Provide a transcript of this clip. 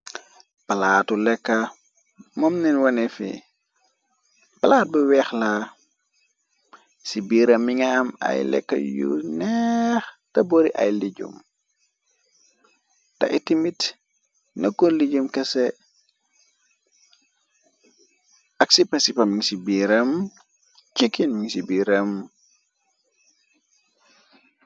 Palaatu lekk moomneen wone fi palaat bu weexla ci biiram mi nga am ay lekk yu neex te bori ay lijum te itimit nëkkoon lijum kesé ak sipasipamin ci biiram cukken min ci biiram.